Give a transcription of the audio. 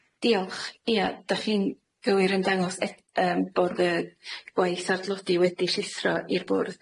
Diolch. Ia, dach chi'n gywir yn dangos e- yym bod y gwaith ar dlodi wedi llithro i'r bwrdd.